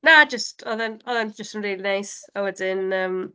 Na, jyst, oedd e'n oedd e'n jyst yn rili neis. A wedyn, yym...